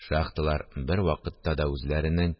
Шахталар бервакытта да үзләренең